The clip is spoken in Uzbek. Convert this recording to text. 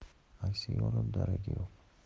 aksiga olib daragi yo'q